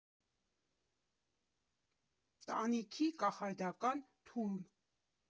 Տանիքի կախարդական թուրմ։